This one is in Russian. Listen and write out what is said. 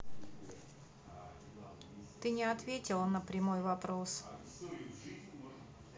ты не ответила на прямой вопрос